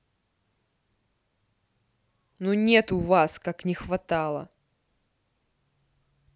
ну нет у вас как не хватало